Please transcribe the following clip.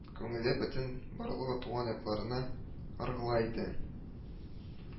Күңеле, бөтен барлыгы туган якларына ыргыла иде